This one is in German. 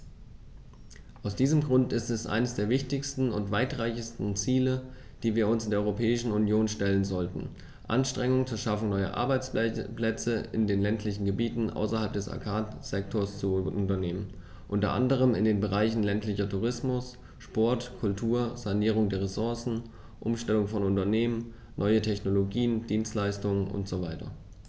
Aus diesem Grund ist es eines der wichtigsten und weitreichendsten Ziele, die wir uns in der Europäischen Union stellen sollten, Anstrengungen zur Schaffung neuer Arbeitsplätze in den ländlichen Gebieten außerhalb des Agrarsektors zu unternehmen, unter anderem in den Bereichen ländlicher Tourismus, Sport, Kultur, Sanierung der Ressourcen, Umstellung von Unternehmen, neue Technologien, Dienstleistungen usw.